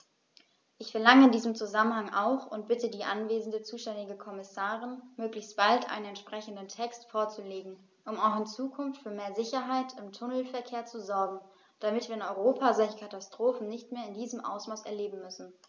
Ich verlange in diesem Zusammenhang auch und bitte die anwesende zuständige Kommissarin, möglichst bald einen entsprechenden Text vorzulegen, um auch in Zukunft für mehr Sicherheit im Tunnelverkehr zu sorgen, damit wir in Europa solche Katastrophen nicht mehr in diesem Ausmaß erleben müssen!